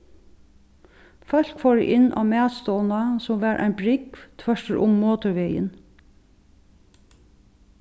fólk fóru inn á matstovuna sum var ein brúgv tvørtur um motorvegin